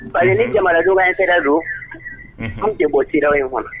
Ba ni jamana jugu in sera don an tɛ bɔ sira in kɔnɔ